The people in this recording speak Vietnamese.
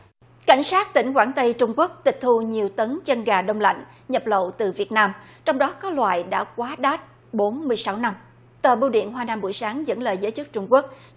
ảnh sát tỉnh quảng tây trung quốc tịch thu nhiều tấn chân gà đông lạnh nhập lậu từ việt nam trong đó có loại đã quá đát bốn mươi sáu năm tờ bưu điện hoa nam buổi sáng dẫn lời giới chức trung quốc